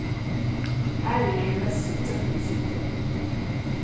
aðrir eru mest sum gjøgnumskygdir